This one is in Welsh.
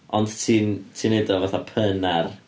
Ond ti'n ti'n wneud o fatha pun ar...